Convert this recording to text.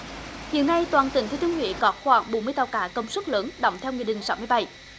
hiện nay toàn tỉnh thừa thiên huế có khoảng bốn mươi tàu cá công suất lớn đóng theo nghị định sáu mươi bảy